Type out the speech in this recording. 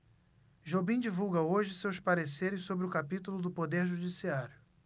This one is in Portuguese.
jobim divulga hoje seus pareceres sobre o capítulo do poder judiciário